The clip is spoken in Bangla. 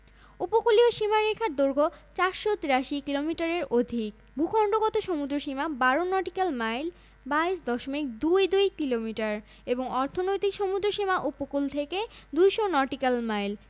উপকূলীয় সীমারেখার দৈর্ঘ্য ৪৮৩ কিলোমিটারের অধিক ভূখন্ডগত সমুদ্রসীমা ১২ নটিক্যাল মাইল ২২ দশমিক দুই দুই কিলোমিটার এবং অর্থনৈতিক সমুদ্রসীমা উপকূল থেকে ২০০ নটিক্যাল মাইল